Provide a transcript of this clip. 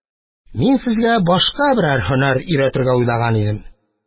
Мин сезгә башка берәр һөнәр өйрәтергә уйлаган идем.